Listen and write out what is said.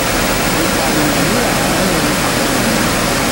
Ìpànìyàn ní àárín àwọn ènìyàn